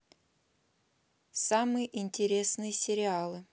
самые интересные сериалы